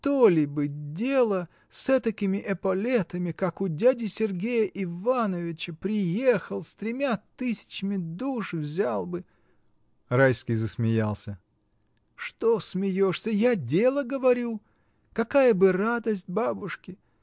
То ли бы дело, с этакими эполетами, как у дяди Сергея Ивановича, приехал: с тремя тысячами душ взял бы. Райский засмеялся. — Что смеешься! Я дело говорю. Какая бы радость бабушке!